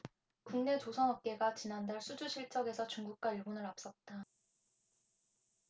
국내 조선업계가 지난달 수주 실적에서 중국과 일본을 앞섰다